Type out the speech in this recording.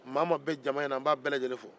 mɔgɔ o mɔgɔ bɛ jama in na n b'a bɛɛ lajɛnen fo